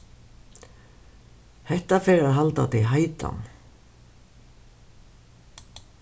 hetta fer at halda teg heitan